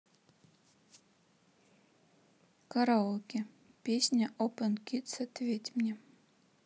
караоке песня опен кидс ответь мне